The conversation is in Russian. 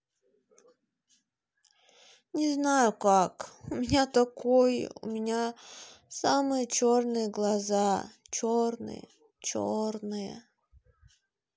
не знаю как у меня такой у меня самый черные глаза черные черные